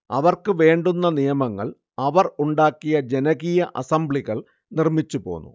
അവർക്ക് വേണ്ടുന്ന നിയമങ്ങൾ അവർ ഉണ്ടാക്കിയ ജനകീയ അസംബ്ലികൾ നിർമ്മിച്ചു പോന്നു